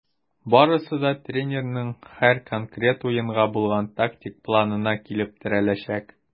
Барысы да тренерның һәр конкрет уенга булган тактик планына килеп терәләчәк.